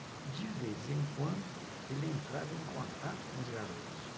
de vez em quando ele entrava em contato com os garotos